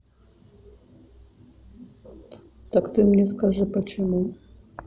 так ты мне скажи почему